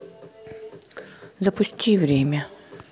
запусти время